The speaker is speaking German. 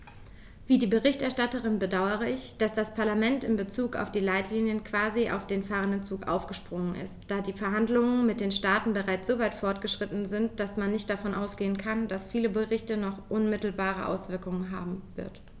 Wie die Berichterstatterin bedaure ich, dass das Parlament in bezug auf die Leitlinien quasi auf den fahrenden Zug aufgesprungen ist, da die Verhandlungen mit den Staaten bereits so weit fortgeschritten sind, dass man nicht davon ausgehen kann, dass dieser Bericht noch unmittelbare Auswirkungen haben wird.